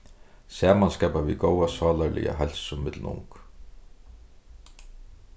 saman skapa vit góða sálarliga heilsu millum ung